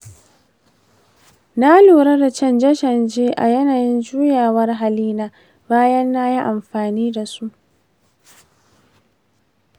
na lura da canje-canje a yanayin juyawar halina bayan na yi amfani da su.